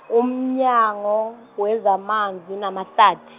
uMnyango wezaManzi namaHlathi.